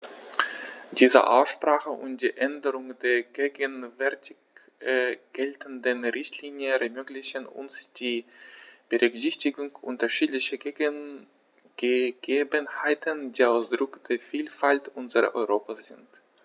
Diese Aussprache und die Änderung der gegenwärtig geltenden Richtlinie ermöglichen uns die Berücksichtigung unterschiedlicher Gegebenheiten, die Ausdruck der Vielfalt unseres Europas sind.